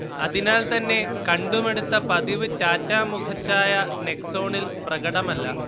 അതിനാൽതന്നെ കണ്ടുമടുത്ത പതിവ് ടാറ്റ മുഖഛായ നെക്സോണിൽ പ്രകടമല്ല